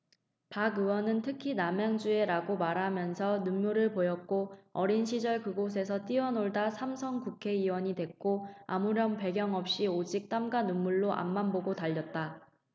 박 의원은 특히 남양주에 라고 말하면서 눈물을 보였고 어린 시절 그곳에서 뛰어놀다 삼 선 국회의원이 됐고 아무런 배경도 없이 오직 땀과 눈물로 앞만 보고 달렸다